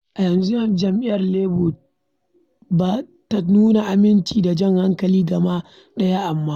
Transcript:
A yanzu Jam'iyyar Labour ba ta nuna amincewa da jan hankali gaba ɗaya, amma.